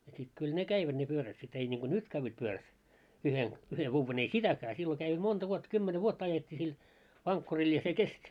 ja sitten kyllä ne kävivät ne pyörät sitten ei niin kuin nyt käyvät pyörät yhden yhden vuoden ei sitäkään silloin kävi monta vuotta kymmenen vuotta ajettiin sillä vankkurilla ja se kesti